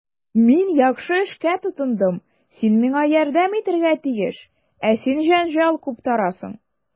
Мин яхшы эшкә тотындым, син миңа ярдәм итәргә тиеш, ә син җәнҗал куптарасың.